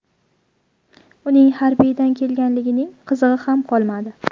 uning harbiydan kelganligining qizig'i ham qolmadi